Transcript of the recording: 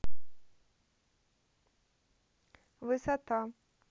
высота